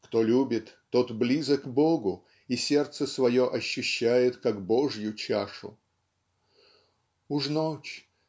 Кто любит, тот близок Богу и сердце свое ощущает как Божью чашу Уж ночь.